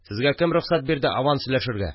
Сезгә кем рөхсәт бирде аванс өләшергә